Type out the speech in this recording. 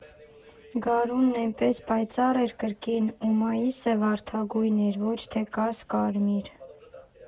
Գարունն էնպես պայծառ էր կրկին, ու մայիսը վարդագույն էր, ոչ թե կաս֊կարմիր։